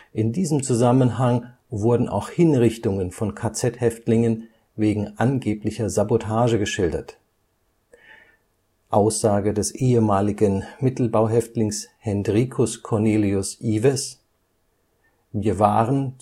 In diesem Zusammenhang wurden auch Hinrichtungen von KZ-Häftlingen wegen angeblicher Sabotage geschildert. „ Wir waren zum Sterben bestimmt. “– Aussage des ehemaligen Mittelbauhäftlings Hendrikus Cornelius Iwes Von